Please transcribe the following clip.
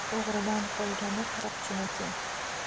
o'g'ridan qolgani qaroqchiniki